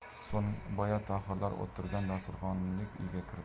so'ng boya tohirlar o'tirgan dasturxonlik uyga kirdi